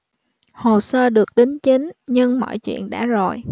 hồ sơ được đính chính nhưng mọi chuyện đã rồi